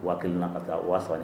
1000 na ka 3000 la.